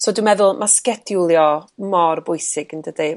so dwi'n meddwl ma' sgediwlio mor bwysig yn dydi? a oedd Megan yn deud to di amrilio.